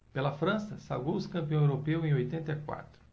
pela frança sagrou-se campeão europeu em oitenta e quatro